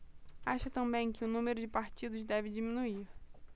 acha também que o número de partidos deve diminuir